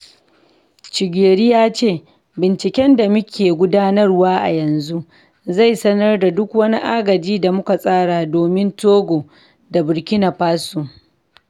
Gicheru ya ce,'' Binciken da muke gudanarwa a yanzu zai sanar da duk wani agaji da muka tsara domin Togo da Burkina Faso''